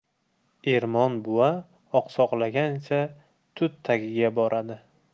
ermon buva oqsoqlagancha tut tagiga boradi